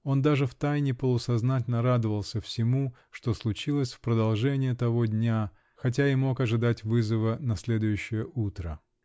он даже втайне, полусознательно радовался всему, что случилось в продолжение того дня, хотя и мог ожидать вызова на следующее утро.